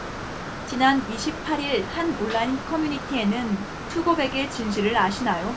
지난 이십 팔 일 한 온라인 커뮤니티에는 투고백의 진실을 아시나요